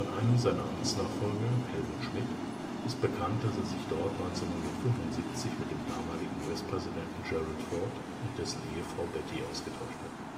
einem seiner Amtsnachfolger, Helmut Schmidt ist bekannt, dass er sich dort 1975 mit dem damaligen US-Präsidenten Gerald Ford und dessen Ehefrau Betty ausgetauscht